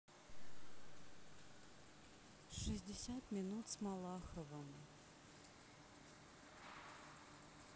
шестьдесят минут с малаховым